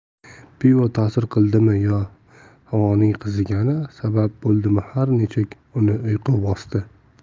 pivo tasir qildimi yo havoning qizigani sabab bo'ldimi har nechuk uni uyqu bosdi